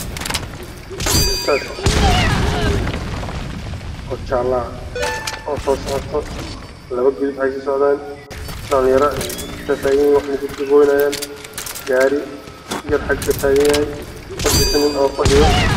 Waa wado laami ah waxaa maraayo bajaaj gaduud, jaale